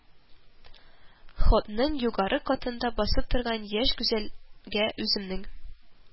Ходның югары катында басып торган яшь гүзәлгә, үземнең